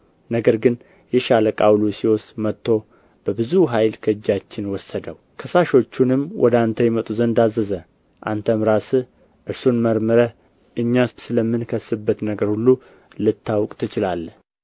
ነገር ግን የሻለቃው ሉስዮስ መጥቶ በብዙ ኃይል ከእጃችን ወሰደው ከሳሾቹንም ወደ አንተ ይመጡ ዘንድ አዘዘ አንተም ራስህ እርሱን መርምረህ እኛ ስለምንከስበት ነገር ሁሉ ልታውቅ ትችላለህ